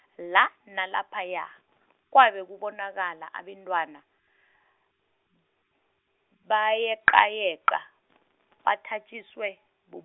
la nalaphaya, kwabe kubonakala abentwana, bayeqayeqa, bathatjiswe bu-.